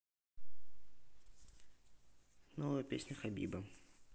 новая песня хабиба